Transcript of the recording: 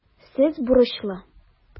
Сез бурычлы.